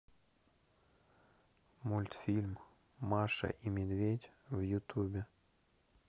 мультфильм маша и медведь в ютубе